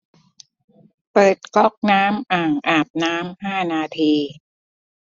เปิดก๊อกน้ำอ่างอาบน้ำห้านาที